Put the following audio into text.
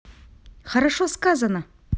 хорошо сказано